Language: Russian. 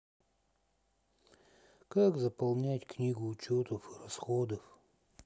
как заполнять книгу учетов и расходов